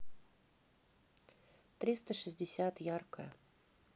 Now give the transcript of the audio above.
триста шестьдесят яркое